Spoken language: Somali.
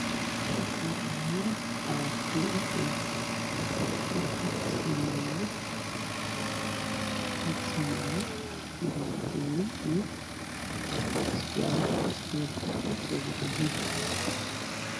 Waa dhalinyaro ku labisan calanka soomaaliya waxaa dhex taagan nin wato fatisheeri madow okayaalo